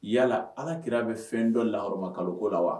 Yala , alakira bɛ fɛn dɔ lahɔrɔmakalo la wa?